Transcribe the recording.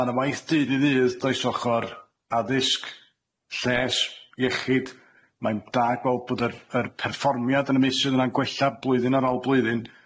Ma' na waith dydd i ddydd does ochor addysg, lles, iechyd mae'n da gweld bod yr yr perfformiad yn y maesydd yna'n gwella blwyddyn ar ôl blwyddyn.